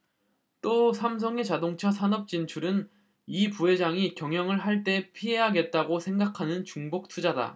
또 삼성의 자동차 산업 진출은 이 부회장이 경영을 할 때 피해야겠다고 생각하는 중복 투자다